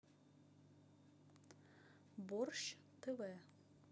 борщ тв